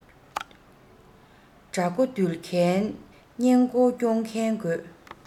དགྲ མགོ འདུལ མཁན གཉེན མགོ སྐྱོང མཁན དགོས